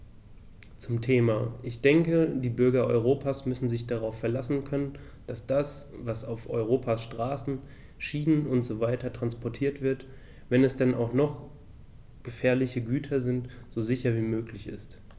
Zum Thema: Ich denke, die Bürger Europas müssen sich darauf verlassen können, dass das, was auf Europas Straßen, Schienen usw. transportiert wird, wenn es denn auch noch gefährliche Güter sind, so sicher wie möglich ist.